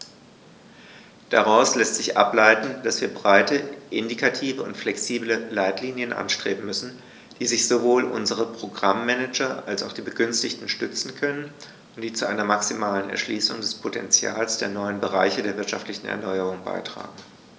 Daraus lässt sich ableiten, dass wir breite, indikative und flexible Leitlinien anstreben müssen, auf die sich sowohl unsere Programm-Manager als auch die Begünstigten stützen können und die zu einer maximalen Erschließung des Potentials der neuen Bereiche der wirtschaftlichen Erneuerung beitragen.